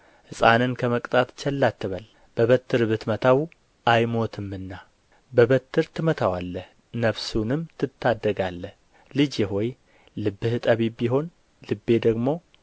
ሕፃንን ከመቅጣት ቸል አትበል በበትር ብትመታው አይሞትምና በበትር ትመታዋለህ ነፍሱንም ትታደጋለህ ልጄ ሆይ ልብህ ጠቢብ ቢሆን ልቤ ደግሞ ደስ ይለዋል ከንፈሮችህም በቅን ቢናገሩ ኵላሊቶቼ